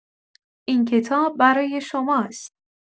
این کتاب برای شماست.